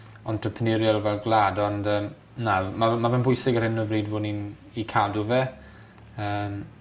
entrepeneurial fel gwlad ond yym na m- ma' fe'n ma' fe'n bwysig or 'yn o bryd fo' ni'n 'i cadw fe. Yym.